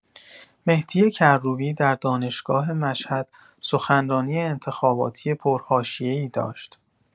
مهدی کروبی در دانشگاه مشهد سخنرانی انتخاباتی پرحاشیه‌ای داشت.